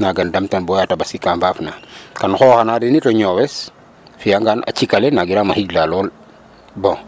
naaga um damtan bala tabaski ka mbaafna, kan xooxana den itam o ñoowes fi'angan a cikax ale nangiraam o xijla lool bon